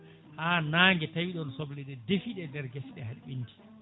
ha nangue tawiɗon sobleɗe deefiɗe e nder gueseɗe ha ɓendi